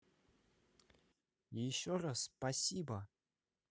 еще раз спасибо